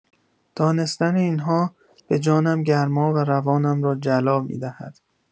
دانستن این‌ها به جانم گرما و روانم را جلا می‌دهد.